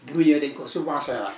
bi mu ñëwee dañu ko subventionné waat